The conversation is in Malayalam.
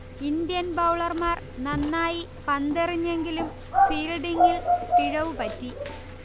ഇന്ത്യൻ ബൗളർമാർ നന്നായി പന്തെറിഞ്ഞെങ്കിലും ഫീൽഡിങ്ങിൽ പിഴവു പറ്റി